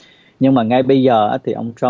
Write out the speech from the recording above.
nhưng mà ngay bây giờ á thì ông trăm